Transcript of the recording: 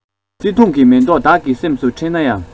བརྩེ དུང གི མེ ཏོག བདག གི སེམས སུ འཁྲེན ན ཡང